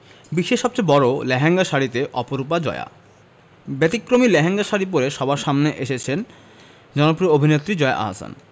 বিশ্বের সবচেয়ে বড় লেহেঙ্গা শাড়িতে অপরূপা জয়া ব্যতিক্রমী লেহেঙ্গা শাড়ি পরে সবার সামনে এসেছেন জনপ্রিয় অভিনেত্রী জয়া আহসান